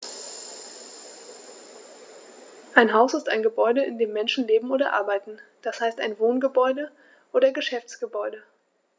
Ein Haus ist ein Gebäude, in dem Menschen leben oder arbeiten, d. h. ein Wohngebäude oder Geschäftsgebäude.